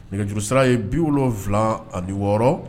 Nɛgɛjuru sira ye 76